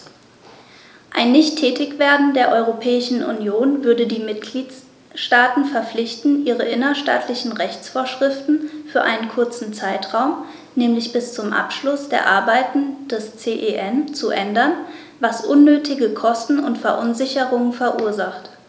Ein Nichttätigwerden der Europäischen Union würde die Mitgliedstaten verpflichten, ihre innerstaatlichen Rechtsvorschriften für einen kurzen Zeitraum, nämlich bis zum Abschluss der Arbeiten des CEN, zu ändern, was unnötige Kosten und Verunsicherungen verursacht.